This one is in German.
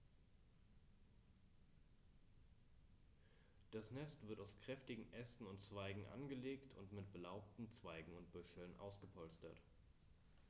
Das Nest wird aus kräftigen Ästen und Zweigen angelegt und mit belaubten Zweigen und Büscheln ausgepolstert.